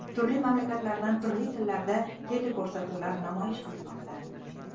turli mamlakatlardan turli tillarda teleko'rsatuvlar namoyish qilinmoqda